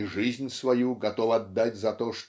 и жизнь свою готов отдать за то